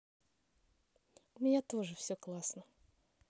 у меня тоже все классно